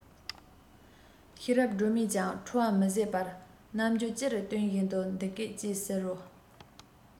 ཤེས རབ སྒྲོལ མས ཀྱང ཁྲོ བ མི ཟད པའི རྣམ འགྱུར ཅི རིགས སྟོན བཞིན དུ འདི སྐད ཅེས ཟེར རོ